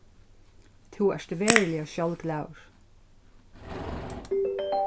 tú ert veruliga sjálvglaður